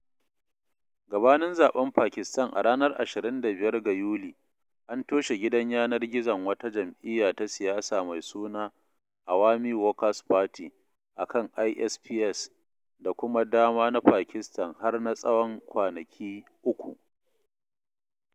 Gabanin zaɓen Pakistan a ranar 25 ga Yuli, an toshe gidan yanar gizon wata jam'iyya ta siyasa mai suna Awami Workers Party a kan ISPs da dama na Pakistan har na tsawon kwanaki uku.